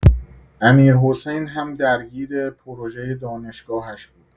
امیرحسین هم درگیر پروژه دانشگاهش بود.